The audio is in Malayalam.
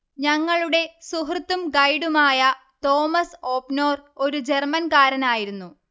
ഞങ്ങളുടെ സുഹൃത്തും ഗൈഡുമായ തോമസ് ഓബ്നോർ ഒരു ജർമൻകാരനായിരുന്നു